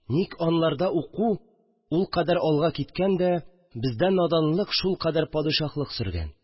Ник аларда уку ул кадәр алга киткән дә, бездә наданлык шулкадәр падишаһлык сөргән